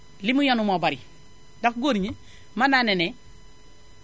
li mu yanu moo bari ndax góor ñi mën naa ne ne